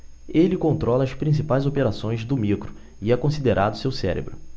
ele controla as principais operações do micro e é considerado seu cérebro